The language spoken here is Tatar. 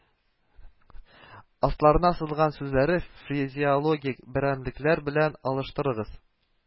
Асларына сызылган сүзләрне фразеологик берәмлекләр белән алыштырыгыз